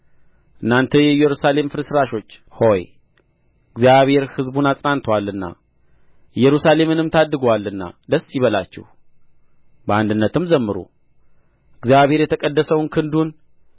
እናንተ የኢየሩሳሌም ፍርስራሾች ሆይ እግዚአብሔር ሕዝቡን አጽናንቶአልና ኢየሩሳሌምንም ታድጎአልና ደስ ይበላችሁ በአንድነትም ዘምሩ እግዚአብሔር የተቀደሰውን ክንዱን